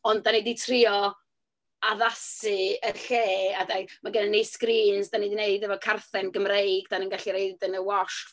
Ond dan ni 'di trio addasu y lle . Ma' gennyn ni screens, dan ni 'di neud efo carthen Gymreig, dan ni'n gallu roid yn y wash, t'bod.